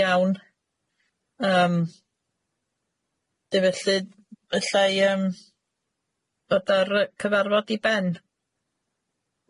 Iawn yym, de felly ella i yym bod ar yy cyfarfod i ben.